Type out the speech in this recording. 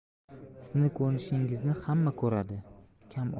sizning ko'rinishingizni hamma ko'radi kam